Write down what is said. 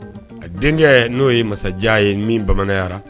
A denkɛ no ye masajan ye min bamananyara.